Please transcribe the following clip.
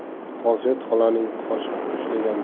xosiyat xolaning qoshiq ushlagan